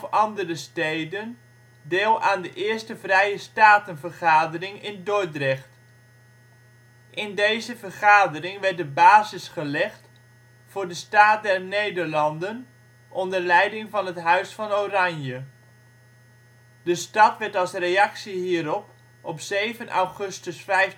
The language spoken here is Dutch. andere steden deel aan de Eerste Vrije Statenvergadering in Dordrecht. In deze vergadering werd de basis gelegd voor de Staat der Nederlanden onder ' leiding ' van het Huis van Oranje. De stad werd als reactie hierop op 7 augustus 1575